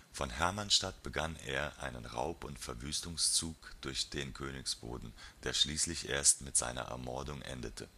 Von Hermannstadt begann er einen Raub - und Verwüstungszug durch den Königsboden, der schließlich erst mit seiner Ermordung endete